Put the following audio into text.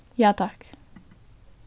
ja takk